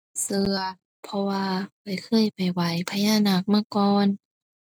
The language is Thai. เชื่อ เพราะว่าข้อยเคยไปไหว้พญานาคมาก่อน